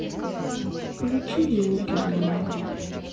включи елки два